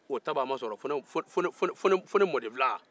o ta baga ma sɔrɔ fo ne mɔdenfilan